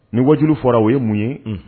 Ni warijuru fɔra o ye mun ye